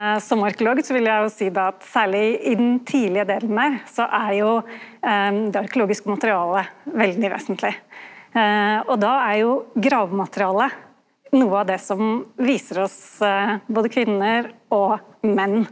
som arkeolog så ville eg jo seie då at særleg i den tidlege delane så er jo det arkeologiske materialet veldig vesentleg og då er jo gravematerialet noko av det som viser oss både kvinner og menn.